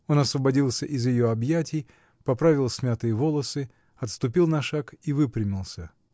Он освободился из ее объятий, поправил смятые волосы, отступил на шаг и выпрямился.